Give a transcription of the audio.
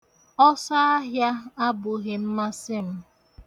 Ọsọahịa abụghị mmasị m.